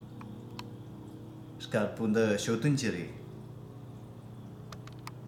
དཀར པོ འདི ཞའོ ཏོན གྱི རེད